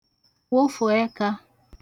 wofù ẹkā